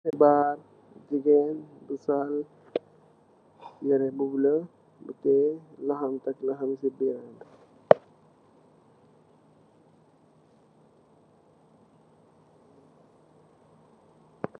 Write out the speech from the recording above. Xibaar jigeen bi sol yere bu bulo mo tiyeh el loxom mu teck lomxom si birambi.